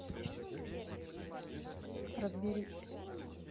разберись